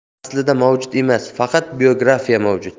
tarix aslida mavjud emas faqat biografiya mavjud